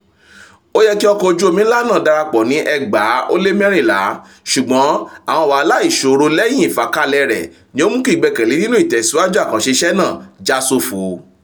Ó yẹ kí ọkọ̀ ojú omi nlá náà darapọ̀ ní 2014, ṣùgbọ̀n àwọn wàhálà ìṣòro lẹ́yìn ìfakalẹ̀ rẹ̀ ní ó mú kí ìgbẹ́kẹ́lé nínú itẹ̀síwájú àkànṣe iṣẹ́ náà já sófo.